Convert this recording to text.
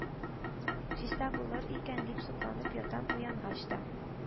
Чиста булыр икән, дип сокланып ятам уянгач та